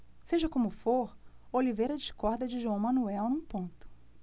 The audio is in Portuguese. seja como for oliveira discorda de joão manuel num ponto